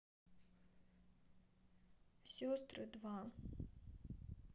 сестры два